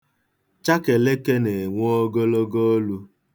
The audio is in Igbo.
Chakeleke na-enwe ogologo olu.